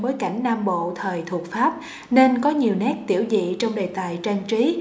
bối cảnh nam bộ thời thuộc pháp nên có nhiều nét tiểu dị trong đề tài trang trí